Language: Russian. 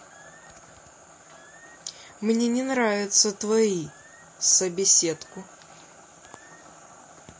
мне не нравятся твои собеседку